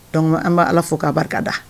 Donc an bɛ ala fo k'a barika da